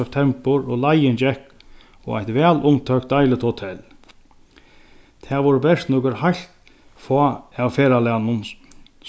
septembur og leiðin gekk á eitt væl umtókt deiligt hotell tað vóru bert nøkur heilt fá av ferðalagnum